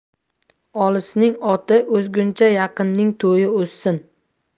olisning oti o'zguncha yaqinning toyi o'zsin